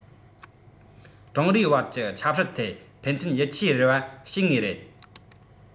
ཀྲུང རིའི དབར གྱི ཆབ སྲིད ཐད ཕན ཚུན ཡིད ཆེས རེ བ བྱེད ངེས རེད